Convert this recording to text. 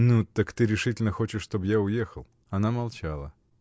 — Ну так ты решительно хочешь, чтоб я уехал? Она молчала.